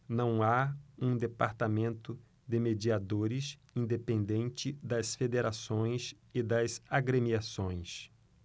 não há um departamento de mediadores independente das federações e das agremiações